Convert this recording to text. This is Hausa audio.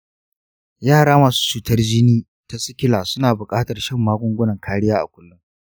yara masu cutar jini ta sikila suna buƙatar shan magungunan kariya a kullum.